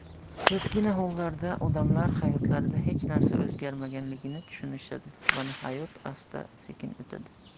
ko'pgina hollarda odamlar hayotlarida hech narsa o'zgarmaganligini tushunishadi va hayot asta sekin o'tadi